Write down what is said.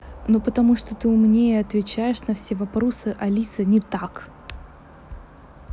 ну потому что ты умнее отвечаешь на все вопросы алиса не так